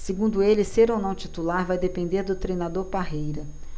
segundo ele ser ou não titular vai depender do treinador parreira